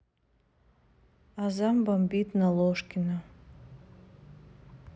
азам бомбит на ложкина